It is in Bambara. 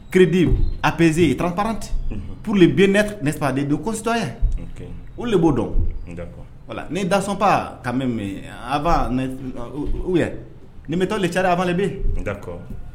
crédible appaisé, transparente, unhun , pour le bien être n'est ce pas des concitoyens, ok, olu de b'o dɔn , d'accord , wala ne dansons pas quand même avant, ou bien, ne mettons la charie avant les bœufs d'accord